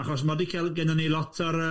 Achos ma' 'di cel- gennon ni lot o'r yym.